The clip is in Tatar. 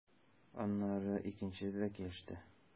Аннары икенчесе дә килеште.